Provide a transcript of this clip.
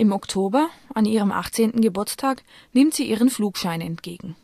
Oktober, an ihrem 18. Geburtstag, nimmt sie ihren Flugschein entgegen